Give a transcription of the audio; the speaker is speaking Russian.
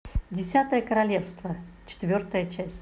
десятое королевство четвертая часть